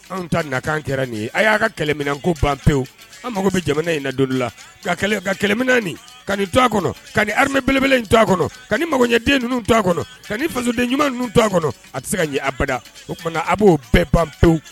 Anw ta nakan kɛra nin ye a y'a ka kɛlɛminɛ ko ban pewu an mago bɛ jamana in na don dɔ la ka ka kɛlɛminɛ nin ka nin to a kɔnɔ , ka nin armée belebele in to a kɔnɔ, ka nin magoɲɛden ninnu to a kɔnɔ , ka faden ɲuman ninnu to a kɔnɔ, a tɛ se ka ɲɛ abada, o tuma a bɛ'o bɛɛ ban pewu!